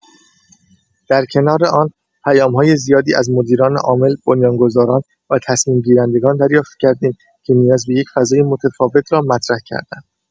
در کنار آن، پیام‌های زیادی از مدیران عامل، بنیان‌گذاران و تصمیم‌گیرندگان دریافت کردیم که نیاز به یک فضای متفاوت را مطرح کردند.